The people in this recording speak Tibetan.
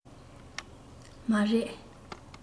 མ རེད